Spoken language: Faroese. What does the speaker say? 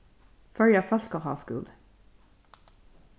føroya fólkaháskúli